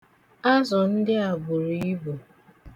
Azu ndị a buru ibu.